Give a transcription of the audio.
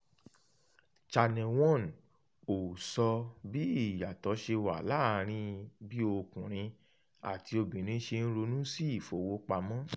Channel One ò sọ bí ìyàtọ̀ ṣe wà láàárín bí ọkùnrin àti obìnrin ṣe ń ronú sí ìfowópamọ́.